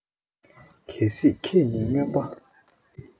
གལ སྲིད ཁྱེད ནི མྱོན པ